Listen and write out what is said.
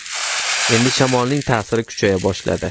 endi shamolning ta'siri kuchaya boshladi